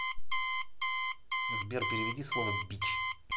сбер переведи слово бич